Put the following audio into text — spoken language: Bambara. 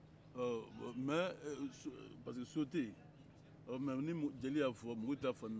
ɔ mɛ parce que so tɛ yen ɔ mɛ ni jeliw y'a fɔ mɔgɔw t'a faamuya